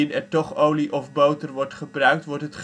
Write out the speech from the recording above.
er toch olie of boter wordt gebruikt wordt het